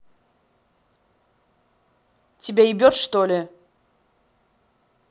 тебя ебет что ли